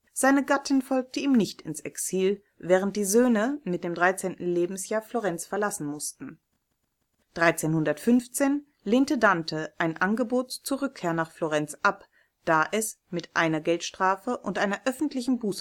Seine Gattin folgte ihm nicht ins Exil, während die Söhne mit dem 13. Lebensjahr Florenz verlassen mussten. 1315 lehnte Dante ein Angebot zur Rückkehr nach Florenz ab, da es mit einer Geldstrafe und einer öffentlichen Buße